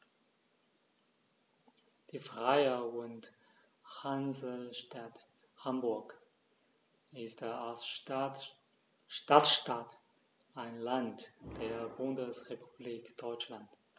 Die Freie und Hansestadt Hamburg ist als Stadtstaat ein Land der Bundesrepublik Deutschland.